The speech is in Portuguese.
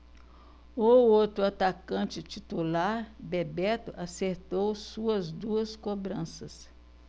o outro atacante titular bebeto acertou suas duas cobranças